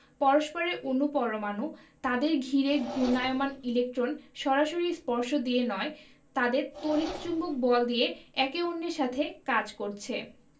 পরস্পরের অণু পরমাণু তাদের ঘিরে ঘূর্ণায়মান ইলেকট্রন সরাসরি স্পর্শ দিয়ে নয় তাদের তড়িৎ চৌম্বক বল দিয়ে একে অন্যের সাথে কাজ করছে